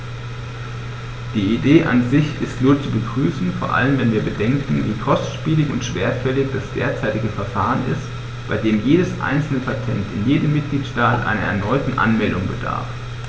Die Idee an sich ist nur zu begrüßen, vor allem wenn wir bedenken, wie kostspielig und schwerfällig das derzeitige Verfahren ist, bei dem jedes einzelne Patent in jedem Mitgliedstaat einer erneuten Anmeldung bedarf.